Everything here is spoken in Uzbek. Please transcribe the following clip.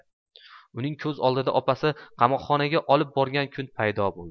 uning ko'z oldida opasi qamoqxonaga olib borgan kun paydo bo'ldi